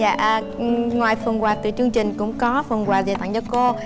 dạ ngoài phần quà từ chương trình cũng có phần quà giành tặng cho cô